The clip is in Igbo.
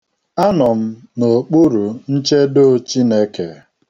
Anọ m n'okpuru nchedo Chineke.